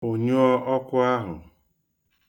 Fụnyụọ ọkụ ahụ.